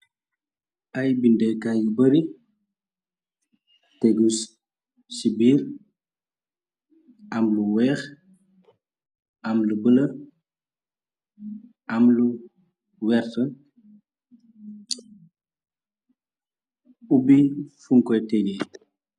Ay bindegkaay yu bari tegus ci biir am lu weex am lu bëla am lu weerte ubbi funkoy teggee.